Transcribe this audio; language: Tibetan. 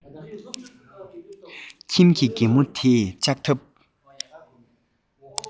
ཁྱིམ གྱི རྒན མོ དེས ལྕགས ཐབ